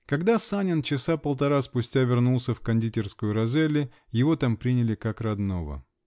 Когда Санин часа полтора спустя вернулся в кондитерскую Розелли, его там приняли, как родного.